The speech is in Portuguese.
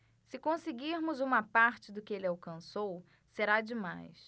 se conseguirmos uma parte do que ele alcançou será demais